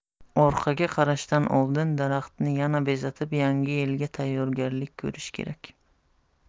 orqaga qarashdan oldin daraxtni yana bezatib yangi yilga tayyorgarlik ko'rish kerak